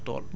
très bien